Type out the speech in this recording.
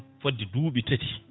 fodde duuɓi tati